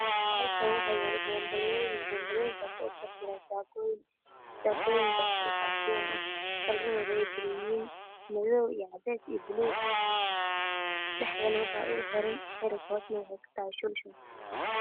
Halkaan waxa yaalo boonbalooyin boonbalooyinkaas oo ku dhex jiraan saakooyin Saakooyinkaas oo fashion ah color doodu ay kala yihiin madow iyo cadees iyo buluug dhexdana waxa uga xiran xarig hoosna waxay ka tahay shulshul